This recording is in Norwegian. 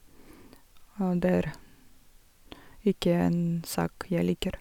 Og det er ikke en sak jeg liker.